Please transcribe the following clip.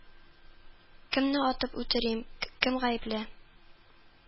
Кемне атып үтерим, кем гаепле